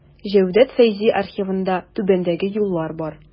Җәүдәт Фәйзи архивында түбәндәге юллар бар.